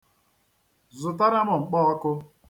Zụtara m mkpọọkụ.